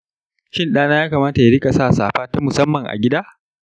shin ɗana ya kamata ya riƙa sa safa ta musamman a gida?